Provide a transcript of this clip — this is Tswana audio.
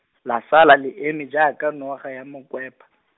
la sala le eme iaaka noga ya mokwepa.